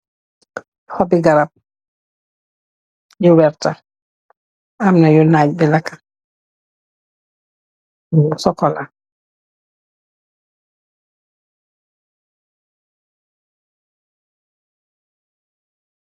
Xobi garab yu wertar amna yu naaj bi laka mugu cxocola.